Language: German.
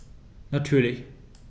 Natürlich.